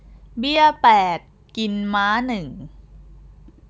เบี้ยแปดกินม้าหนึ่ง